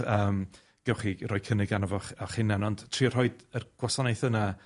Yym gewch chi roi cynnig arno fo'ch 'ych hunan, ond trio rhoi yr gwasanaeth yna